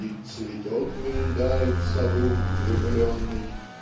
и "цветет миндаль в саду" влюбленной.